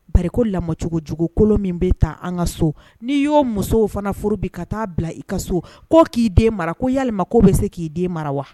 Bari ko lamɔcogojugukolo min bɛ taa an ka so ni y'o musow fana furu bi ka taa bila i ka so k'o k'i den mara ko yalima ko bɛ se k'i den mara wa.